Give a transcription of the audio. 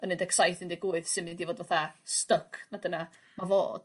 yn un deg saith un deg wyth sy mynd i fod fatha styc na dyna 'na fo.